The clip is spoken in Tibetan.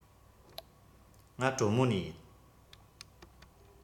ང གྲོ མོ ནས ཡིན